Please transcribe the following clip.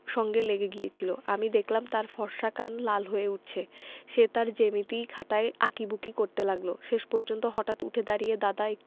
সঙ্গে লেগে গিয়েছিলো আমি দেখলাম তার ফর্সা কান লাল হয়ে উঠছে সে তার জ্যামিতি খাতায় আঁকি ঝুকি করতে লাগলো শেষ পর্যন্ত হঠাৎ উঠে দাড়িয়ে দাদা